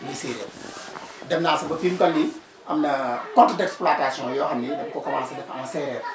muy séeréer dem naa sax ba fi mu toll nii am na porte d' exploitation yoo xam ni dañ ko commencer def en séeréer